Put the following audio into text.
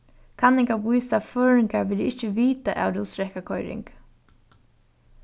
kanningar vísa at føroyingar vilja ikki vita av rúsdrekkakoyring